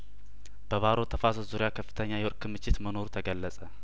በባሮ ተፋሰስ ዙሪያ ከፍተኛ የወርቅ ክምችት መኖሩ ተገለጸ